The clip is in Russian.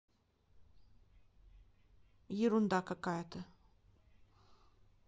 ерунда какая то